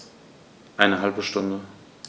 Eine halbe Stunde